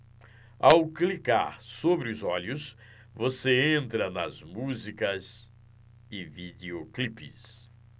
ao clicar sobre os olhos você entra nas músicas e videoclipes